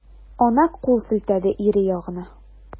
Ана кул селтәде ире ягына.